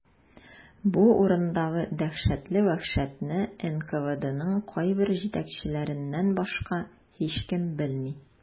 Бу урындагы дәһшәтле вәхшәтне НКВДның кайбер җитәкчеләреннән башка һичкем белми.